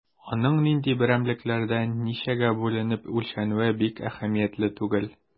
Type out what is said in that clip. Аның нинди берәмлекләрдә, ничәгә бүленеп үлчәнүе бик әһәмиятле түгел.